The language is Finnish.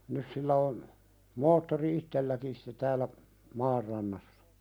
nyt sillä on moottori itselläkin sitten täällä maan rannassa